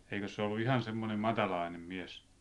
eikös se ollut ihan semmoinen matala mies